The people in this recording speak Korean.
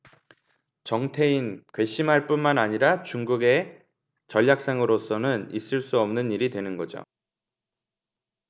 정태인 괘씸할 뿐만 아니라 중국의 전략상으로서는 있을 수 없는 일이 되는 거죠